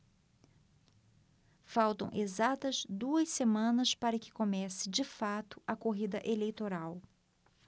faltam exatas duas semanas para que comece de fato a corrida eleitoral